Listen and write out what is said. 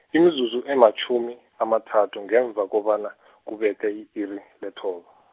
imizuzu ematjhumi amathathu ngemva kobana kubethe i-iri lethoba.